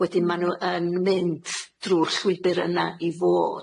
Wedyn ma' nw yn mynd drw'r llwybyr yna i fod.